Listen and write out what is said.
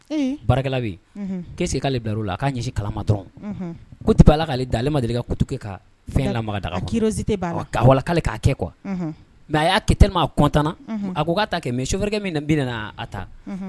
Baarakɛla be yen. Ko est ce que ko ale bila lo la . A ka ɲɛ sin kalan ma dɔrɔn. Ko depuis Ala ka ale da ale ma deli ka kutu kɛ ka fɛn lamaka daga kɔnɔ. A curiosité ba la . Kala ka kɛ kuwa . Mais a ya kɛ tellement a kɔntanana. Unhun a ko ka ta kɛ . Mais chauffeur kɛ min nana a ta